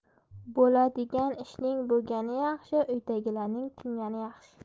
bo'ladigan ishning bo'lgani yaxshi uydagilarning tingani yaxshi